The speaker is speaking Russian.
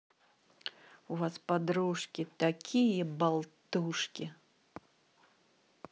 у вас подружки такие болтушки